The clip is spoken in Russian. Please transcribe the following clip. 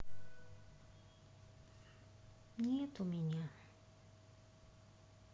нет у меня